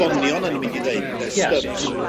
bonion o'n mynd i ddeud ynde stubs...